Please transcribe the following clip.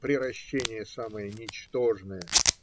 приращение самое ничтожное.